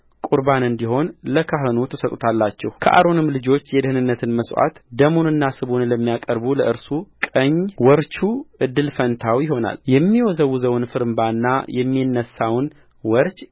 ቍርባን እንዲሆን ለካህኑ ትሰጡታላችሁከአሮንም ልጆች የደኅንነትን መሥዋዕት ደሙንና ስቡን ለሚያቀርብ ለእርሱ ቀኝ ወርቹ እድል ፈንታው ይሆናል የሚወዘወዘውን ፍርምባና የሚነሣውን ወርች